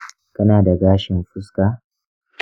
kana da gashin fuska?